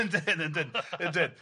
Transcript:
Yndyn yndyn ydyn.